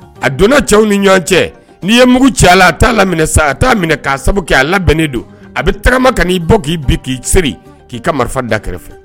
A donna cɛw ni ɲɔgɔn cɛ n'i ye mugu cɛ a la a t'a lam sa a t'a minɛ k'a sabu kɛ a labɛn bɛnnen don a bɛ tagama ka'i bɔ k'i bi k'i se k'i ka marifa da kɛrɛfɛ